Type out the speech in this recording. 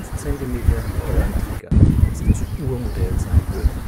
Zentimeter niedriger als das „ Ur-Modell “sein würde